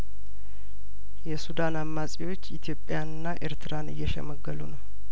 የሱዳን አማጺዎች ኢትዮጵያንና ኤርትራን እየሸ መገሉ ነው